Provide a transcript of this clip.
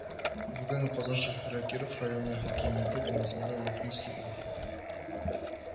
Бүген Казан шәһәре Киров районы хакимияте бинасында Лукницкий ур